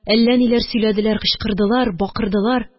Әллә ниләр сөйләделәр, кычкырдылар, бакырдылар